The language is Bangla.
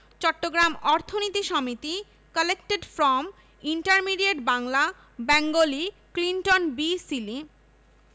চট্টগ্রাম অর্থনীতি সমিতি collected from intermediate Bangla Bengali Clinton B Seely